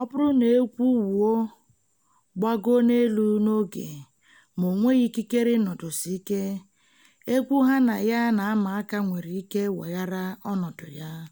Ọ bụrụ na egwu wuo gbagoo n'elu n'oge ma o nweghị ikikere ịnọdụsi ike, egwu ha na ya na-ama aka nwere ike weghara ọnọdụ ya.